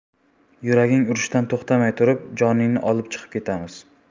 yuraging urishdan to'xtamay turib joningni olib chiqib ketamiz